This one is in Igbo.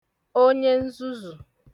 onye nzuzù